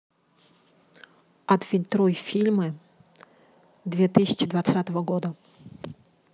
отфильтруй фильмы две тысячи двадцатого года